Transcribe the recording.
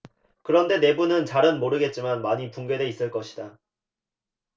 그런데 내부는 잘은 모르겠지만 많이 붕괴돼 있을 것이다